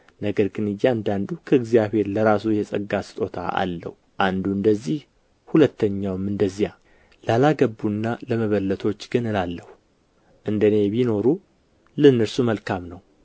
ነገር ግን እያንዳንዱ ከእግዚአብሔር ለራሱ የጸጋ ስጦታ አለው አንዱ እንደዚህ ሁለተኛውም እንደዚያ ላላገቡና ለመበለቶች ግን እላለሁ እንደ እኔ ቢኖሩ ለእነርሱ መልካም ነው